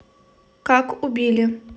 как убили